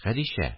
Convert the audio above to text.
Хәдичә